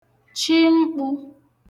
chi mkpū